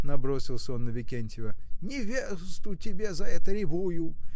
— набросился он на Викентьева, — невесту тебе за это рябую!